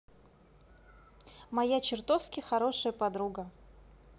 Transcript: моя чертовски хорошая подруга